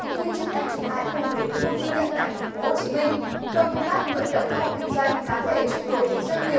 thế nhưng trước hết chúng ta hãy cùng đến với một ghi nhận tại thành phố hồ chí minh vâng công tác vận động các hộ kinh doanh cá thể chuyển đổi thành doanh nghiệp